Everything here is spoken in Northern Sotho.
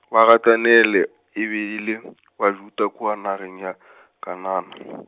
ba gaDaniele, e be e le , Bajuda kua nageng ya , Kanana.